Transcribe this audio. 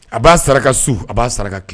A b'a saraka su a b'a saraka tile